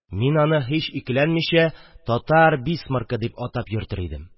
Мин аны һич икеләнмичә «татар Бисмаркы» дип атар идем.